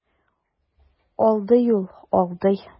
Алдый ул, алдый.